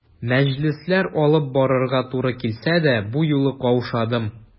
Мәҗлесләр алып барырга туры килсә дә, бу юлы каушадым.